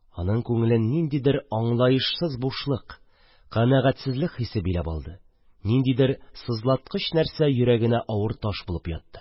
Аның күңелен ниндидер аңлаешсыз бушлык, канәгатьсезлек хисе биләп алды, ниндидер сызлаткыч нәрсә йөрәгенә авыр таш булып ятты.